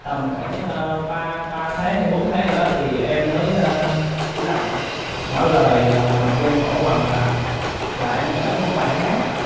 tầm khoảng ờ ba ba tháng hay bốn tháng gì đó thì em mới chủ động ngỏ lời làm quen cổ bằng là là em gởi một cái bài hát